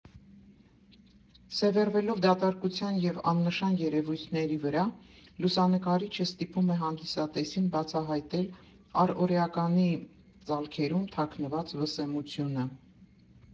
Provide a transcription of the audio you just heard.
Սևեռվելով դատարկության և աննշան երևույթների վրա, լուսանկարիչը ստիպում է հանդիսատեսին բացահայտել առօրեականի ծալքերում թաքնված վսեմությունը։